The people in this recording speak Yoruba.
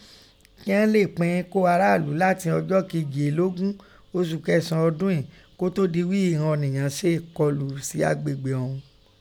Kíghọn lé è pin ko araalu latin Ọjọ Kejielogun, Osu Kẹsan, odun ìín, ko to di wí i ighọn ọ̀niyan ṣe kọlù si agbegbe ọ̀ún.